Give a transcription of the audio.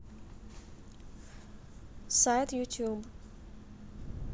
сайт youtube